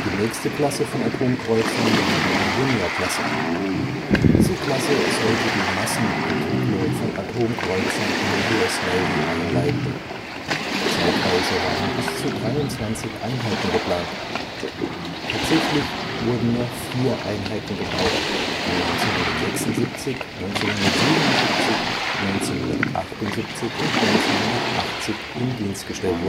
nächste Klasse von Atomkreuzern war die Virginia-Klasse. Diese Klasse sollte die Massenentwicklung von Atomkreuzern in der US Navy einleiten. Zeitweise waren bis zu 23 Einheiten geplant. Tatsächlich wurden nur vier Einheiten gebaut, die 1976, 1977, 1978 und 1980 in Dienst gestellt